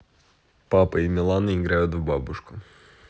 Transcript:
папа и милана играют в бабушку